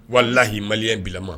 Walalahii maliya bilalama